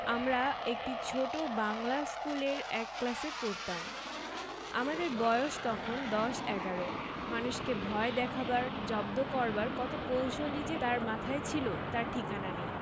আমরা একটি ছোট বাংলা ইস্কুলের এক ক্লাসে পড়তাম আমাদের বয়স তখন দশ এগারো মানুষকে ভয় দেখাবার জব্দ করবার কত কৌশলই যে তার মাথায় ছিল তার ঠিকানা নেই